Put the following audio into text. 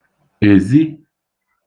èzi